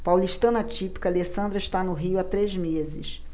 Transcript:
paulistana típica alessandra está no rio há três meses